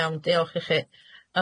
Iawn, diolch i chi.